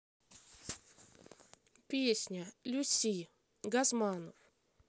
песня люси газманов